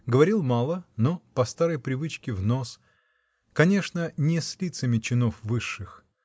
говорил мало, но, по старой привычке, в нос, -- конечно, не с лицами чинов высших